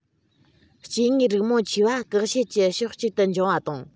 སྐྱེ དངོས རིགས མང ཆེ བ གེགས བྱེད ཀྱི ཕྱོགས གཅིག ཏུ འབྱུང བ དང